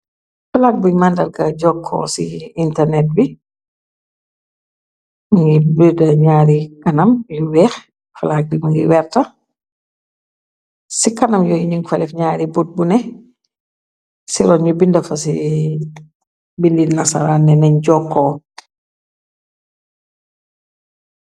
Flaak bu màndarga jokkoo ci internet bi, mungiy bira ñaari kanam yi weex , flaak bi mungi werta ci kanam yoo yiñuñ kalef ñaari buti bune, ci ro ñu bindafa ci bindi nasara neneeñ jokkoo.